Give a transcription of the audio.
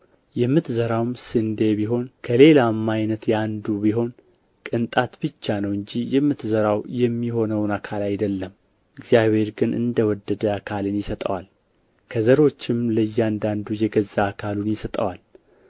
የምትዘራው ካልሞተ ሕያው አይሆንም የምትዘራውም ስንዴ ቢሆን ከሌላም ዓይነት የአንዱ ቢሆን ቅንጣት ብቻ ነው እንጂ የምትዘራው የሚሆነውን አካል አይደለም እግዚአብሔር ግን እንደ ወደደ አካልን ይሰጠዋል ከዘሮችም ለእያንዳንዱ የገዛ አካሉን ይሰጠዋል